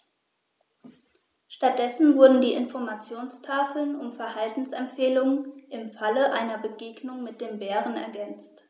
Stattdessen wurden die Informationstafeln um Verhaltensempfehlungen im Falle einer Begegnung mit dem Bären ergänzt.